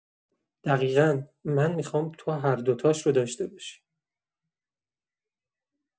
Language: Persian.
دقیقا، من می‌خوام تو هر دوتاش رو داشته باشی.